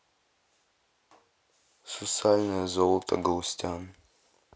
сусальное золото галустян